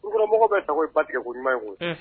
U kulubalimɔgɔ bɛ ta i ba tigɛkoɲuman ye koyi